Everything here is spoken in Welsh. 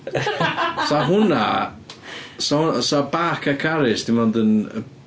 'Sa hwnna... 'Sa hwnna, 'sa hwnna Bark a Carys dim ond yn...